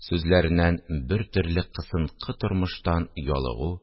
Сүзләреннән бертөрле кысынкы тормыштан ялыгу